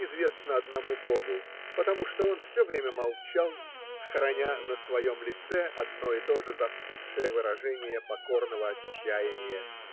известно одному богу, потому что он все время молчал, храня на своем лице одно и то же застывшее выражение покорного отчаяния.